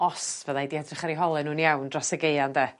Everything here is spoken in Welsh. os fyddai 'di edrych ar eu hole nw'n iawn dros y Gaea ynde?